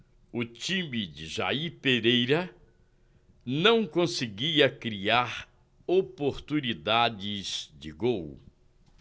o time de jair pereira não conseguia criar oportunidades de gol